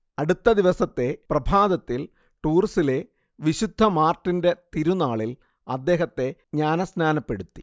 അടുത്ത ദിവസം പ്രഭാതത്തിൽ ടൂർസിലെ വിശുദ്ധ മാർട്ടിന്റെ തിരുനാളിൽ അദ്ദേഹത്തെ ജ്ഞാനസ്നാനപ്പെടുത്തി